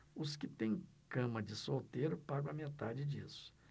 os que têm cama de solteiro pagam a metade disso